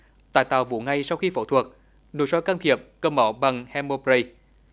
tại tàu vụ ngay sau khi phẫu thuật nội soi can thiệp cầm máu bằng hen mô bờ ray